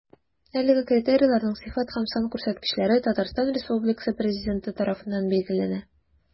Әлеге критерийларның сыйфат һәм сан күрсәткечләре Татарстан Республикасы Президенты тарафыннан билгеләнә.